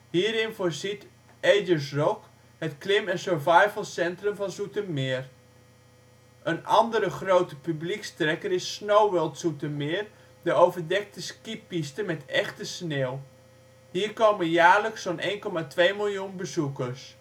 Hierin voorziet Ayers Rock, het klim en survivalcentrum van Zoetermeer. Een andere grote publiekstrekker is SnowWorld Zoetermeer, de overdekte skipiste met echte sneeuw. Hier komen jaarlijks zo 'n 1,2 miljoen bezoekers